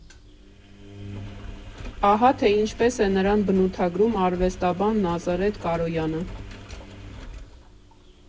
Ահա թե ինչպես է նրան բնութագրում արվեստաբան Նազարեթ Կարոյանը.